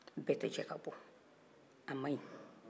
bɛɛ tɛ jɛ ka bɔ a man ɲi